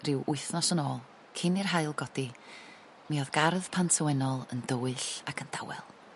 ryw wythnos yn ôl cyn i'r haul godi mi o'dd gardd Pant y Wennol yn dywyll ac yn dawel